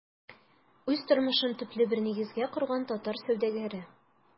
Үз тормышын төпле бер нигезгә корган татар сәүдәгәре.